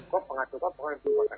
Fanga tɛ ka fanga' wa